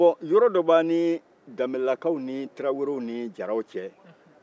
bɔn yɔrɔ dɔ b'an ni danbɛlɛlakaw ni tarawelew ni jaaraw cɛ